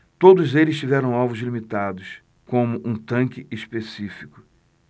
todos eles tiveram alvos limitados como um tanque específico